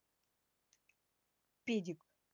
педик